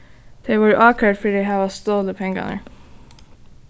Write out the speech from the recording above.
tey vóru ákærd fyri at hava stolið pengarnar